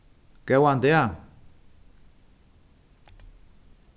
góðan dag